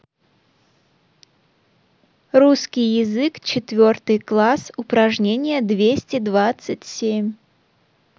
русский язык четвертый класс упражнение двести двадцать семь